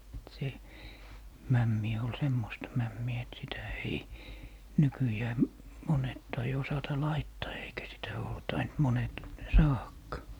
se mämmi oli semmoista mämmiä että sitä ei nykyään monet tai osata laittaa eikä sitä ole tainnut monet saadakaan